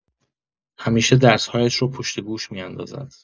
همیشه درس‌هایش را پشت گوش می‌اندازد.